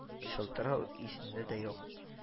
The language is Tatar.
Чылтырау исендә дә юк